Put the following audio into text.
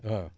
waaw